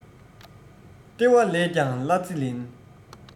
ལྟེ བ ལས ཀྱང གླ རྩི ལེན